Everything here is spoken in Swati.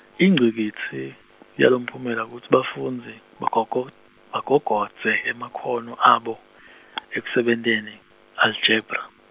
ingcikitsi, yalomphumela kutsi bafundzi, bagogo- bagogodze emakhono abo , ekusebentiseni, aljebra.